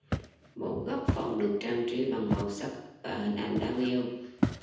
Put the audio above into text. một góc phòng được trang trí bằng màu sắc và hình ảnh đáng yêu